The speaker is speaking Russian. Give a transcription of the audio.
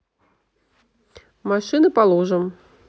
машины по лужам